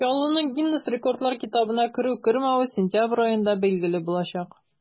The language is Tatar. Чаллының Гиннес рекордлар китабына керү-кермәве сентябрь аенда билгеле булачак.